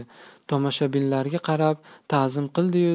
tomoshabinlarga qarab ta'zim qildi yu